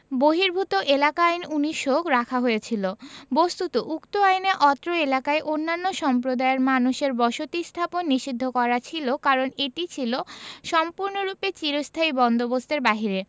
বহির্ভূত এলাকা আইন ১৯০০ রাখা হয়েছিল বস্তুত উক্ত আইনে অত্র এলাকায় অন্যান্য সম্প্রদায়ের মানুষের বসতী স্থাপন নিষিধ্ধ করা ছিল কারণ এটি ছিল সম্পূর্ণরূপে চিরস্থায়ী বন্দোবস্তের বাহিরে